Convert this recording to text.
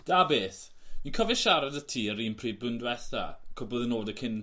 Da beth. Fi'n cofio siarad 'da ti yr un pryd blwyddyn dwetha. Cwpl o ddiwrnode cyn